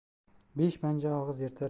besh panja og'iz yirtar